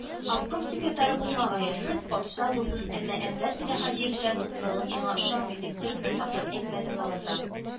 —обком секретаре булмагае, хет патша булсын, әмма әнвәр тилләхаҗиев белән дуслыгыгыз миңа ошамый дип бер генә тапкыр әйтмәдем ләбаса